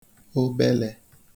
obele